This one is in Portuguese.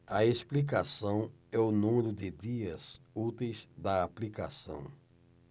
a explicação é o número de dias úteis da aplicação